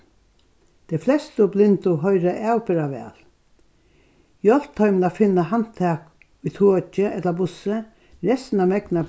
tey flestu blindu hoyra avbera væl hjálp teimum at finna handtak í toki ella bussi restina megna